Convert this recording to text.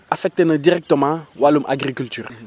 affecté na directement wàllum agriculture yi